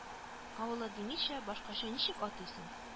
Авылы димичә, башкача ничек атыйсың